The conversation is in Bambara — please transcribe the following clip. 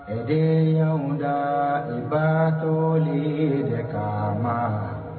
E de y'anw daa i baatolii de kaamaa